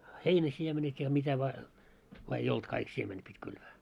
heinäsiemenet ja mitä vain vaan ei ollut kaikki siemenet piti kylvää